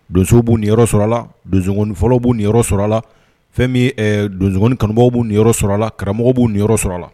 Donsow bɛu niyɔrɔ sɔrɔ a la donsog fɔlɔw bɛu niyɔrɔ sɔrɔ a la fɛn donso kanubaww bɛ ninyɔrɔ sɔrɔla karamɔgɔ'u niyɔrɔ sɔrɔ la